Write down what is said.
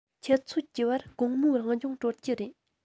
ཆུ ཚོད བཅུ པར དགོང མོའི རང སྦྱོང གྲོལ གྱི རེད